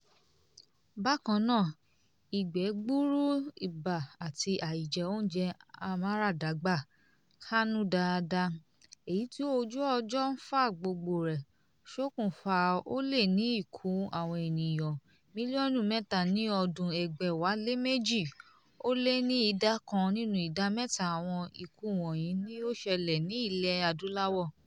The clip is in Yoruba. Bákan náà, ìgbẹ́ gbuuru, ibà àti àìjẹ oúnjẹ amáradàgbà kánú daada, èyí tí ojú ọjọ́ ń fa gbogbo rẹ̀, ṣokùnfà ó lé ní ikú àwọn ènìyàn 3 mílíọ̀nù ní ọdún 2002; ó lé ní ìdá kan nínú ìdá mẹ́ta àwọn ikú wọ̀nyí ni ó ṣẹlẹ̀ ní Ilẹ̀ Adúláwò.